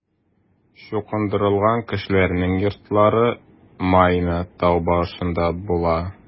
Чукындырылган кешеләрнең йортлары Майна тау башында була.